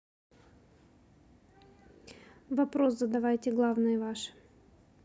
вопрос задавайте главные ваши